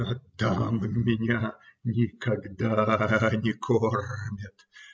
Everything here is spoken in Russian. Но там меня никогда не кормят.